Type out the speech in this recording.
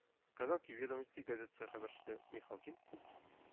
«казанские ведомости» газетасы хәбәрчесе михалкин: